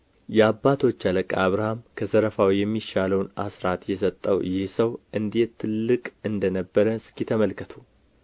የአባቶች አለቃ አብርሃም ከዘረፋው የሚሻለውን አስራት የሰጠው ይህ ሰው እንዴት ትልቅ እንደ ነበረ እስኪ ተመልከቱ